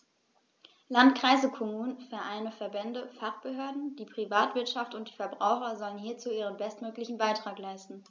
Landkreise, Kommunen, Vereine, Verbände, Fachbehörden, die Privatwirtschaft und die Verbraucher sollen hierzu ihren bestmöglichen Beitrag leisten.